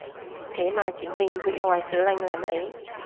thế mà chính mình hủy hoại sự lành lặn ấy